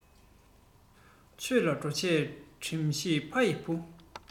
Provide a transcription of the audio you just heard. ཆོས ལ འགྲོ ཆས སྒྲིགས ཤིག ཕ ཡི བུ